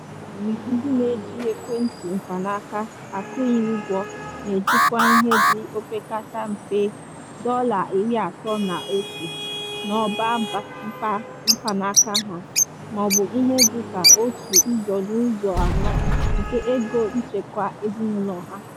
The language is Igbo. Otu onye n'ime mmadụ iri ndị na-eji ekwentị mkpanaaka akwụghị ụgwọ na-echekwa ihe dị opekata mpe $31 n'ọba mkpanaka ha, maọbụ ihe dịka otu ụzọ n'ụzọ anọ nke ego nchekwa ezinaụlọ ha.